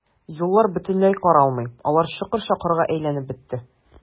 Юллар бөтенләй каралмый, алар чокыр-чакырга әйләнеп бетте.